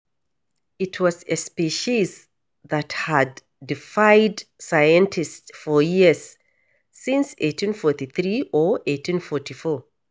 It was a species that had defied scientists for years, since 1843 or 1844.